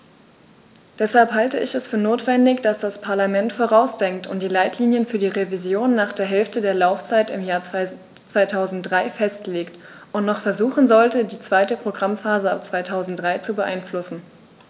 Deshalb halte ich es für notwendig, dass das Parlament vorausdenkt und die Leitlinien für die Revision nach der Hälfte der Laufzeit im Jahr 2003 festlegt und noch versuchen sollte, die zweite Programmphase ab 2003 zu beeinflussen.